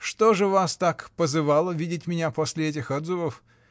— Что же вас так позывало видеть меня после этих отзывов?